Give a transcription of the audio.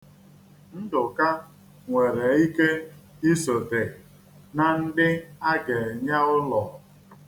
Nduka nwere ike isote na ndị a ga-enye ụlọ.